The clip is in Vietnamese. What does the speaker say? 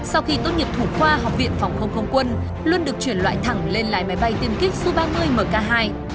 sau khi tốt nghiệp thủ khoa học viện phòng không không quân luôn được chuyển loại thẳng lên lái máy bay tiêm kích su ba mươi mờ ca hai